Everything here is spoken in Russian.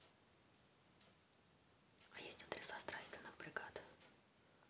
есть адреса строительных бригад